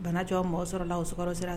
Banacogo mɔgɔ sɔrɔ la o sumaworo sera